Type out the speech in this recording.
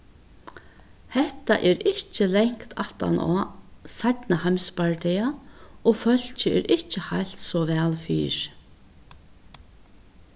hetta er ikki langt aftan á seinna heimsbardaga og fólkið er ikki heilt so væl fyri